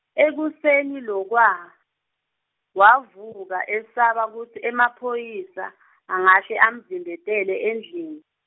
ekuseni lokwa, wavuka esaba kutsi emaphoyisa, angahle amvimbetele endlini.